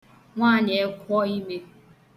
nwaànyị̀ekwhọime